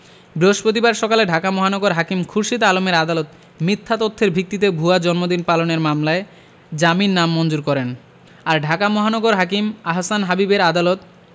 বৃহস্পতিবার সকালে ঢাকা মহানগর হাকিম খুরশীদ আলমের আদালত মিথ্যা তথ্যের ভিত্তিতে ভুয়া জন্মদিন পালনের মামলায় জামিন নামঞ্জুর করেন আর ঢাকা মহানগর হাকিম আহসান হাবীবের আদালত